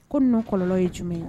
Ko nɔ kɔlɔ ye jumɛn ye